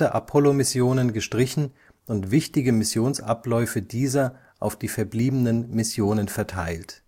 Apollo-Missionen gestrichen und wichtige Missionsabläufe dieser auf die verbliebenen Missionen verteilt